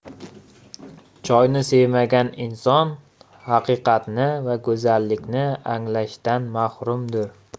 choyni sevmagan inson haqiqatni va go'zallikni anglashdan mahrumdir